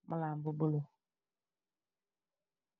ak malan bu buolo